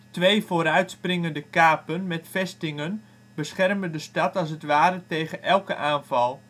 twee vooruitspringende kapen, met de vestingen, beschermen de stad als het ware tegen elke aanval